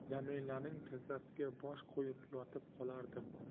jamilaning tizzasiga bosh qo'yib yotib qolardim